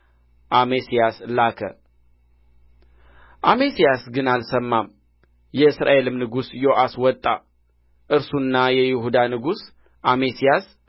አሜስያስ ላከ አሜስያስ ግን አልሰማም የእስራኤልም ንጉሥ ዮአስ ወጣ እርሱና የይሁዳ ንጉሥ አሜስያስም